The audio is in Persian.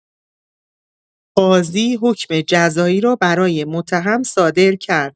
قاضی حکم جزایی را برای متهم صادر کرد.